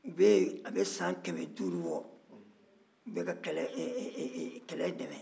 u bɛ yen a bɛ san kɛmɛduuru bɔ u bɛka kɛlɛ dɛmɛ